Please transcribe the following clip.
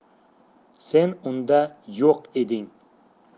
sen unda yo'q eding